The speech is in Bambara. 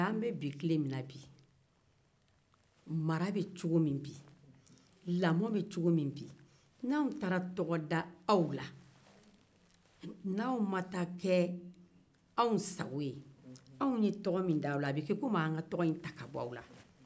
an be tile min na bi n'anw ye tɔgɔ da aw la n'aw ma taa ke anw sago ye a bɛ kɛ komi an ka tɔgɔ bɔ aw la